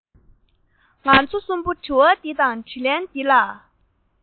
ང ཚོ གསུམ པོ དྲི བ འདི དང དྲིས ལན འདི ལ